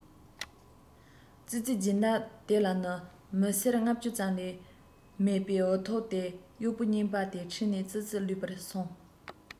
རྒྱལ ཁབ ཀྱི ལས དབང དང